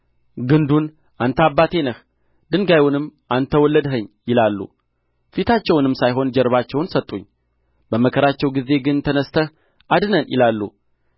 ግንዱን አንተ አባቴ ነህ ድንጋዮንም አንተ ወለድኸኝ ይላሉ ፊታቸውንም ሳይሆን ጀርባቸውን ሰጡኝ በመከራቸው ጊዜ ግን ተነሥተህ አድነን ይላሉ